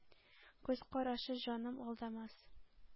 Күз карашы, җаным, алдамас.